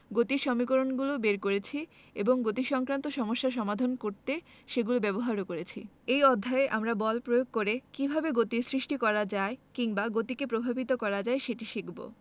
গতির সমীকরণগুলো বের করেছি এবং গতিসংক্রান্ত সমস্যা সমাধান করতে সেগুলো ব্যবহারও করেছি এই অধ্যায়ে আমরা বল প্রয়োগ করে কীভাবে গতির সৃষ্টি করা যায় কিংবা গতিকে প্রভাবিত করা যায় সেটি শিখব